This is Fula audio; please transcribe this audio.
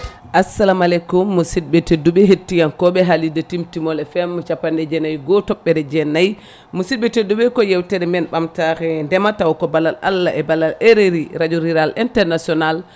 assalamu aleykum musidɓe tedduɓe haalirde Timtimol FM capanɗe jeenayyi e goho toɓɓere jeenayyi musidɓe tedduɓe ko yewtere men ɓamtare ndeema taw ko ballal Allah e ballal RRI radio rural international